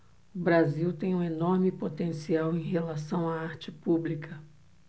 o brasil tem um enorme potencial em relação à arte pública